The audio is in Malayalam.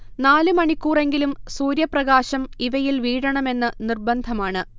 നാല് മണിക്കൂറെങ്കിലും സൂര്യപ്രകാശം ഇവയിൽ വീഴണമെന്ന് നിര്ബന്ധമാണ്